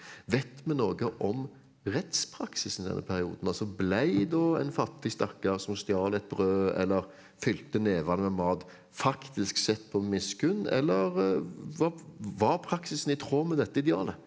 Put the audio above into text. vet vi noe om rettspraksisen i denne perioden, altså ble da en fattig stakkar som stjal et brød eller fylte nevene med mat faktisk sett på med miskunn eller var praksisen i tråd med dette idealet?